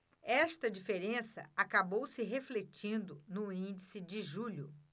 esta diferença acabou se refletindo no índice de julho